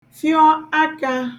fịọ akā